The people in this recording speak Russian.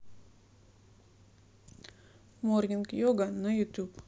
морнинг йога на ютуб